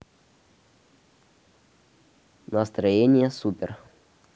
настроение супер